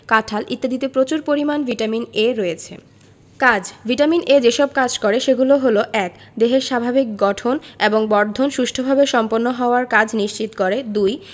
কাঁঠাল ইত্যাদিতে প্রচুর পরিমানে ভিটামিন A রয়েছে কাজ ভিটামিন A যেসব কাজ করে সেগুলো হলো ১. দেহের স্বাভাবিক গঠন এবং বর্ধন সুষ্ঠুভাবে সম্পন্ন হওয়ার কাজ নিশ্চিত করে ২.